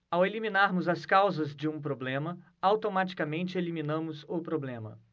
ao eliminarmos as causas de um problema automaticamente eliminamos o problema